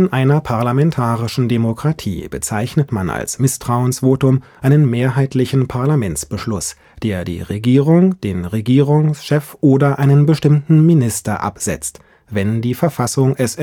einer parlamentarischen Demokratie bezeichnet man als Misstrauensvotum einen mehrheitlichen Parlamentsbeschluss, der die Regierung, den Regierungschef oder einen bestimmten Minister absetzt, wenn die Verfassung es